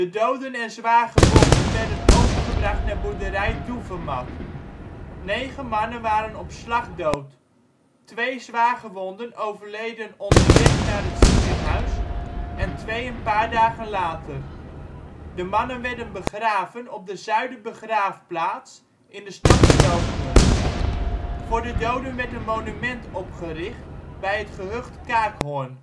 doden en zwaargewonden werden overgebracht naar boerderij Doevemat. Negen mannen waren op slag dood. Twee zwaargewonden overleden onderweg naar het ziekenhuis en twee een paar dagen later. De mannen werden begraven op de Zuiderbegraafplaats in de stad Groningen. Voor de doden werd een monument opgericht bij het gehucht Kaakhorn